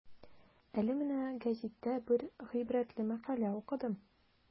Әле менә гәзиттә бер гыйбрәтле мәкалә укыдым.